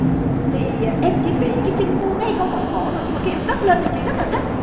thì em chỉ bị cái chinh phương ngay câu vọng cổ thôi nhưng mà khi em cất lên thì rất là thích